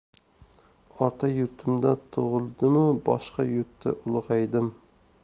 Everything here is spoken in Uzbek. ota yurtimda tug'ildimu boshqa yurtda ulg'aydim